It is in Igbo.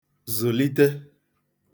zụ̀lite